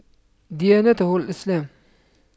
ديانته الإسلام